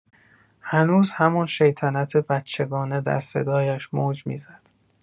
هنوز همان شیطنت بچگانه در صدایش موج می‌زد.